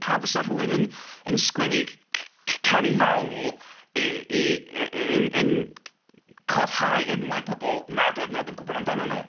Pam fysa rhywun yn yn sgwennu c- c- c- canu mawl i i i i i... yn yn c- cofhau enwau pobl nad oedd neb yn gwybod amdanyn nhw?